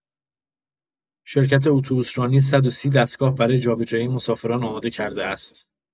شرکت اتوبوس‌رانی ۱۳۰ دستگاه برای جابجایی مسافران آماده کرده است.